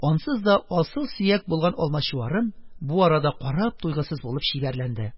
Ансыз да асыл сөяк булган Алмачуарым бу арада карап туйгысыз булып чибәрләнде.